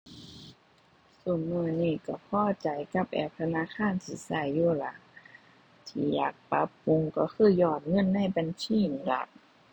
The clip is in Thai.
ซุมื้อนี้ก็พอใจกับแอปธนาคารที่ก็อยู่ละ ที่อยากปรับปรุงก็คือยอดเงินในบัญชีนี่ล่ะ